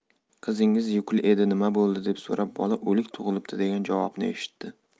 qizingiz yukli edi nima bo'ldi deb so'rab bola o'lik tug'ilibdi degan javobni eshitdi